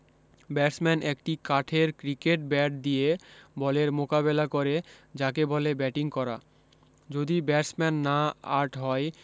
batsman একটি কাঠের cricket bat দিয়ে বলের মোকাবেলা করে যাকে বলে ব্যাটিং করা যদি ব্যাটসম্যান না আট হয়